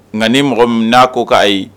Nka ni mɔgɔ n'a ko k' ayi